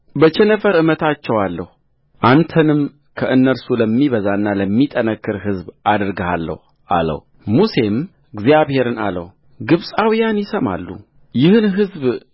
በቸነፈር እመታቸዋለሁ አንተም ከእነርሱ ለሚበዛና ለሚጠነክር ሕዝብ አደርግሃለሁ አለውሙሴም እግዚአብሔርን አለው ግብፃውያን ይሰማሉ ይህን ሕዝብ